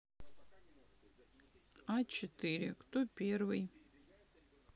а четыре кто первый